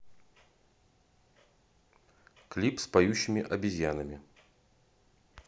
клип с поющими обезьянами